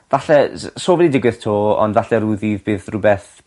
falle s- so fe 'di digwydd 'to ond falle rw ddydd bydd rhwbeth